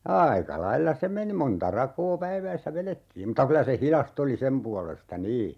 aika lailla se meni monta rakoa päivässä vedettiin mutta kyllä se hidasta oli sen puolesta niin